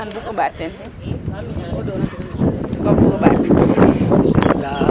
xar bugo ɓaat teen ko bug'u ɓaat teen tig ?